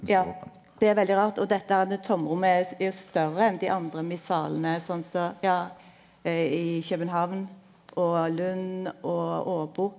ja det er veldig rart og dette herne tomrommet er jo større enn dei andre missalene sånn som ja i København og Lund og Åbo.